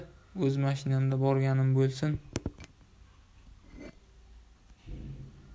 o'z mashinamda borganim bo'lsin